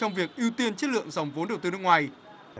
trong việc ưu tiên chất lượng dòng vốn đầu tư nước ngoài